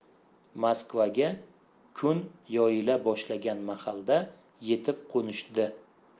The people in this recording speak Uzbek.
moskvaga kun yoyila boshlagan mahalda yetib qo'nishdi